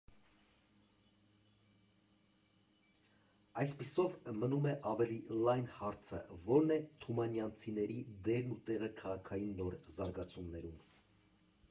Այսպիսով, մնում է ավելի լայն հարցը՝ ո՞րն է թումանյանցիների դերն ու տեղը քաղաքային նոր զարգացումներում։